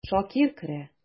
Шакир керә.